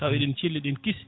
tawa eɗen celli eɗen kiisi